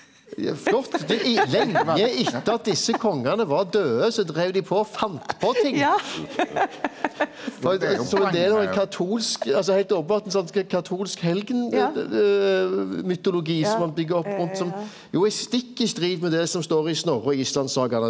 flott det i lenge etter at desse kongane var døde så dreiv dei på fant på ting var det er jo ein katolsk altså heilt openbart ein sånn katolsk helgenmytologi som ein byggar opp rundt som jo er stikk i strid med det som står i Snorre og islandssagaene.